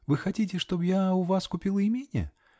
) Вы хотите, чтобы я у вас купила имение?